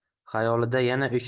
xayolida yana o'sha